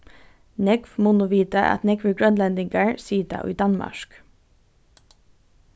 nógv munnu vita at nógvir grønlendingar sita í danmark